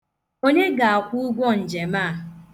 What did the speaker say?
Onye ga-akwụ ụgwọ njem a?